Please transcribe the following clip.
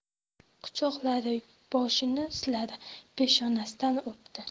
quchoqladi boshini siladi peshonasidan o'pdi